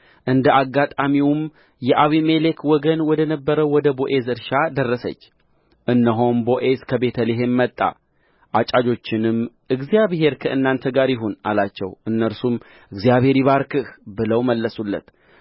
እንደ አጋጣሚውም የአቤሜሌክ ወገን ወደ ነበረው ወደ ቦዔዝ እርሻ ደረሰች እነሆም ቦዔዝ ከቤተ ልሔም መጣ አጫጆችንም እግዚአብሔር ከእናንተ ጋር ይሁን አላቸው እነርሱም እግዚአብሔር ይባርክህ ብለው መለሱለት